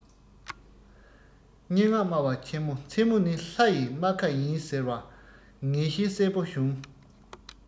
སྙན ངག སྨྲ བ ཆེན པོ མཚན མོ ནི ལྷ ཡི རྨ ཁ ཡིན ཟེར པར ངེས ཤེས གསལ བོ བྱུང